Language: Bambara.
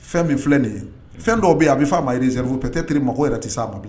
Fɛn min filɛ ni ye, fɛn dɔ bɛ yen a bɛ f'a ma réserve peut-être mako yɛrɛ tɛ s'a ma bilen